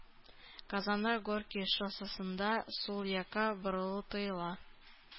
Казанда Горький шоссесында сул якка борылу тыела.